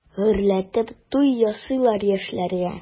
Гөрләтеп туй ясыйлар яшьләргә.